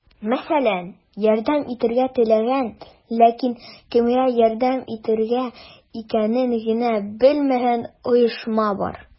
Мәсәлән, ярдәм итәргә теләгән, ләкин кемгә ярдәм итергә икәнен генә белмәгән оешма бар.